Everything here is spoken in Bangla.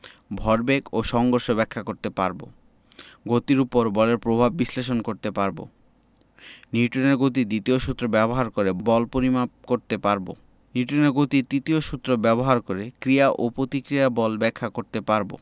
ভরবেগ এবং সংঘর্ষ ব্যাখ্যা করতে পারব গতির উপর বলের প্রভাব বিশ্লেষণ করতে পারব নিউটনের গতির দ্বিতীয় সূত্র ব্যবহার করে বল পরিমাপ করতে পারব নিউটনের গতির তৃতীয় সূত্র ব্যবহার করে ক্রিয়া ও প্রতিক্রিয়া বল ব্যাখ্যা করতে পারব